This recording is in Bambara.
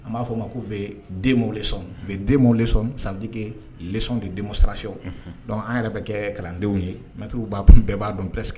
A b'a f fɔo ma ko v den le sɔn denmuso le sɔn sanjike lesɔnon de denmuso sirasi an yɛrɛ bɛ kɛ kalandenw ye mɛtɛ b'a kun bɛɛ b'a dɔn pski